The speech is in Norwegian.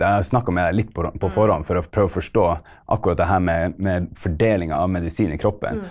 jeg har snakka med deg litt på på forhånd for å prøve å forstå akkurat det her med med fordelinga av medisin i kroppen.